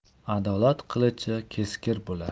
adolat qilichi keskir bo'lar